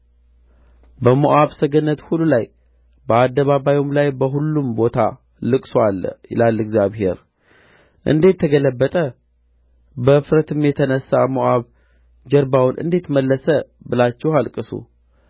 በሞዓብ ሰገነት ሁሉ ላይ በአደባባዩም ላይ በሁሉም ቦታ ልቅሶ አለ ይላል እግዚአብሔር እንዴት ተገለበጠ በእፍረትም የተነሣ ሞዓብ ጀርባውን እንዴት መለሰ ብላችሁ አልቅሱ